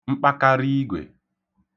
mkpakariigwè